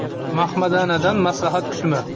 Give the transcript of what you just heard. mahmadanadan maslahat kutma